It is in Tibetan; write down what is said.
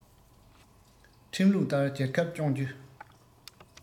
ཁྲིམས ལུགས ལྟར རྒྱལ ཁབ སྐྱོང རྒྱུ